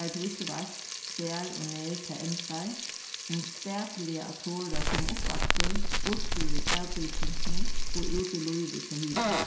har tú ikki veitst hvar og nær tað endar um spakuliga at tora at koma upp aftur burtur úr avbyrgingini og út í lívið hjá hinum